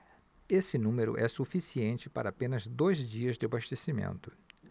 esse número é suficiente para apenas dois dias de abastecimento